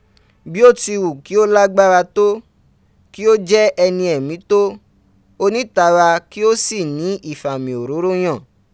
Bi o ti wu ki o lagbara to, ki o je eni emi to, onitara ki o si ni ifami ororo yan